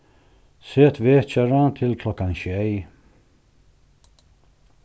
set vekjara til klokkan sjey